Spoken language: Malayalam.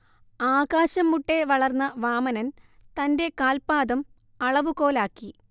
ആകാശംമുട്ടെ വളർന്ന വാമനൻ തന്റെ കാൽപ്പാദം അളവുകോലാക്കി